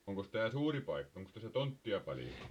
onkos tämä suuri paikka onkos tässä tonttia paljon